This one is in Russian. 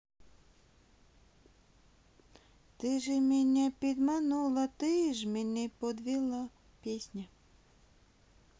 ты же меня пидманула ты ж мене подвела песня